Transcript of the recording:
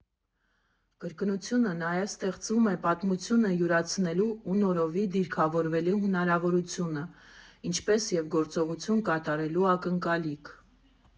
Կրկնությունը նաև ստեղծում է պատմությունը յուրացնելու ու նորովի դիրքավորվելու հնարավորությունը, ինչպես և գործողություն կատարելու ակնկալիք։